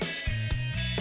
ê